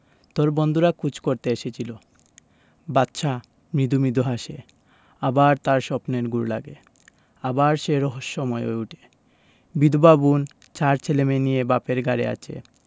তোর বন্ধুরা খোঁজ করতে এসেছিলো বাদশা মৃদু মৃদু হাসে আবার তার স্বপ্নের ঘোর লাগে আবার সে রহস্যময় হয়ে উঠে বিধবা বোন চার ছেলেমেয়ে নিয়ে বাপের ঘাড়ে আছে